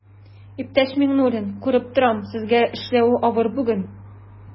Иптәш Миңнуллин, күреп торам, сезгә эшләү авыр бүген.